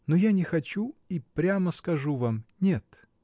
Но я не хочу и прямо скажу вам: нет.